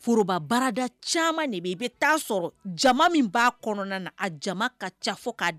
Forobabarada caman de i taa sɔrɔ jama min b' kɔnɔna na a jama ka ca fɔ'